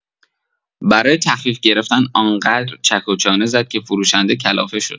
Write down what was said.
برای تخفیف گرفتن آن‌قدر چک و چانه زد که فروشنده کلافه شد.